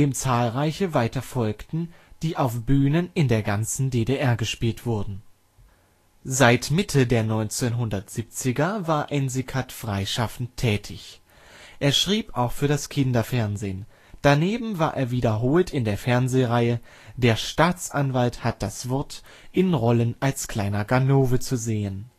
zahlreiche weitere folgten, die auf Bühnen in der ganzen DDR gespielt wurden. Seit Mitte der 1970er war Ensikat freischaffend tätig. Er schrieb auch für das Kinderfernsehen. Daneben war er wiederholt in der Fernsehreihe Der Staatsanwalt hat das Wort in Rollen als kleiner Ganove zu sehen